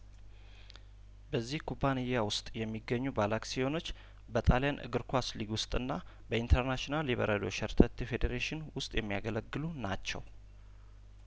በዚህ ኩባንያ ውስጥ የሚገኙ ባለ አክሲዮኖች በጣልያን እግር ኳስ ሊግ ውስጥና በኢንተርናሽናል የበረዶ ሸርተቴ ፌዴሬሽን ውስጥ የሚያገለግሉ ናቸው